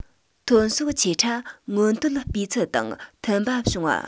ཐོན ཟོག ཆེ ཕྲ སྔོན བཏོན སྤུས ཚད དང མཐུན པ བྱུང བ